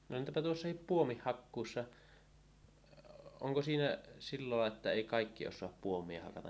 no entäpä tuossa puomin hakkuussa onko siinä sillä lailla että ei kaikki osaa puomia hakata